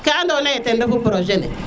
ka andona ye ten refu projet ne